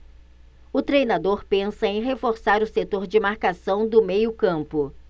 o treinador pensa em reforçar o setor de marcação do meio campo